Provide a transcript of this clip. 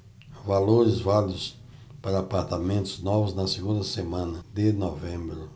valores válidos para apartamentos novos na segunda semana de novembro